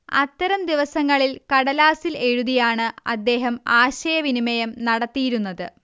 അത്തരം ദിവസങ്ങളിൽ കടലാസിൽ എഴുതിയാണ് അദ്ദേഹം ആശയവിനിമയം നടത്തിയിരുന്നത്